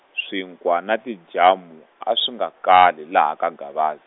swinkwa na tijamu a swi nga kali laha ka Gavaz-.